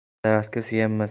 egilgan daraxtga suyanma